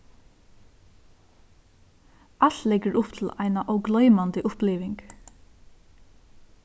alt leggur upp til eina ógloymandi uppliving